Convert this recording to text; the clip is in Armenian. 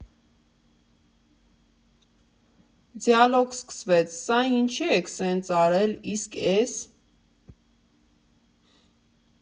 Դիալոգ սկսվեց՝ սա՞ ինչի եք սենց արել, իսկ է՞ս։